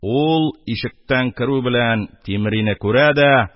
Ул, ишектән керү берлән, Тимрине күрә дә,